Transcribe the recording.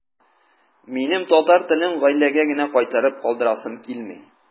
Минем татар телен гаиләгә генә кайтарып калдырасым килми.